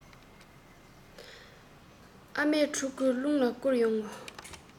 ཨ མས ཕྲུ གུ རླུང ལ བསྐུར ཡོང ངོ